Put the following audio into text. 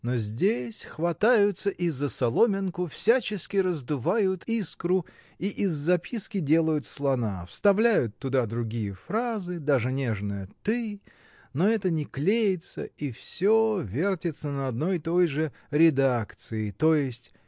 Но здесь хватаются и за соломинку, всячески раздувают искру — и из записки делают слона, вставляют туда другие фразы, даже нежное “ты”, но это не клеится, и всё вертится на одной и той же редакции то есть